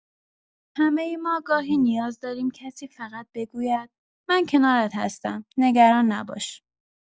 همه ما گاهی نیاز داریم کسی فقط بگوید: من کنارت هستم، نگران نباش.